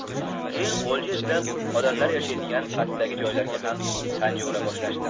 keyin o'lja izlab odamlar yashaydigan pastdagi joylarga ham panja ura boshlashdi